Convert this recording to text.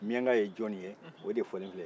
miyanka ye jɔnni ye o de fɔlen filɛ